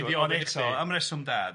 am reswm da de.